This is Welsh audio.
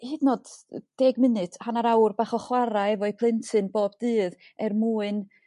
hud yn o'd n- deg munud, hannar awr bach o chwarae efo'i plentyn bob dydd er mwyn